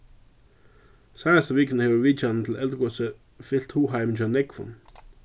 seinastu vikuna hevur vitjanin til eldgosið fylt hugaheimin hjá nógvum